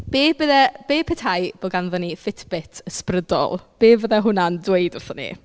Be byddai... be petai bo' ganddon ni fitbit ysbrydol? Be fyddai hwnna'n dweud wrthon ni?